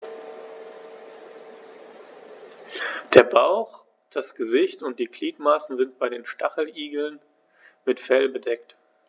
Der Bauch, das Gesicht und die Gliedmaßen sind bei den Stacheligeln mit Fell bedeckt.